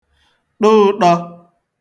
ṭọ ụ̄ṭọ̄